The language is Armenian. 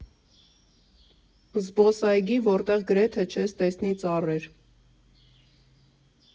Զբոսայգի, որտեղ գրեթե չես տեսնի ծառեր։